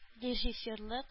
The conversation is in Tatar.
Режиссерлык